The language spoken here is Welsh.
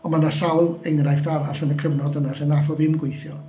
Ond ma' 'na sawl enghraifft arall yn y cyfnod yna lle wnaeth o ddim gweithio.